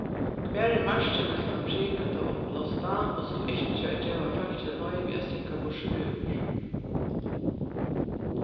hvar er markið millum at prika tað uppblásta og so ikki at geva fólki loyvi at stinga burturúr